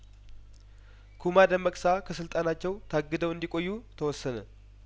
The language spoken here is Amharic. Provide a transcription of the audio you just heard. ኩማ ደመቅሳ ከስልጣ ናቸው ታግደው እንዲ ቆዩ ተወሰነ